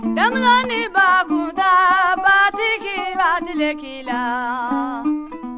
denmusonin bakunntan batigi b'a tile k'i la